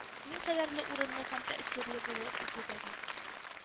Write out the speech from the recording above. Никадәрле урынлы һәм тәэсирле булыр иде дә бит